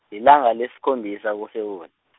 yilanga lesikhombisa kuSewula .